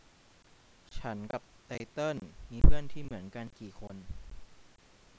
ฉันกับไตเติ้ลมีเพื่อนที่เหมือนกันกี่คน